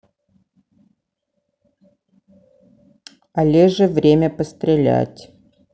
олеже время пострелять